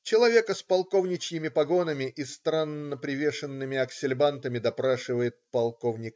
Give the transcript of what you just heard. Человека с полковничьими погонами и странно привешенными аксельбантами допрашивает полк.